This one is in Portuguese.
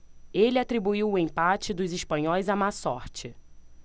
ele atribuiu o empate dos espanhóis à má sorte